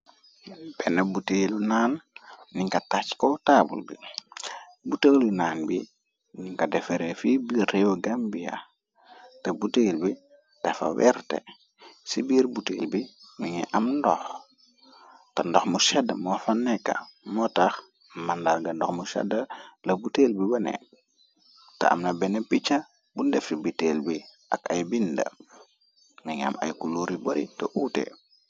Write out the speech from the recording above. Benn botalu naan nyun ko tacc si taabul bi botalu naan bi ni nga defare fi biir réew Gambia te botale bi dafa werte ci biir botale bi mogi am ndox te ndox mu cedda moo fa nekka moo tax mandarga ndox mu cedda la botale bi wone te amna bena picca bu ndefe botale bi ak ay binda ñyugi am ay kuluori bori te uute.